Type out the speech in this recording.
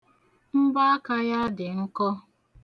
Mbọaka ya dị nkọ.